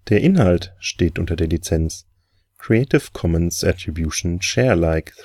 Inhalt steht unter der Lizenz Creative Commons Attribution Share Alike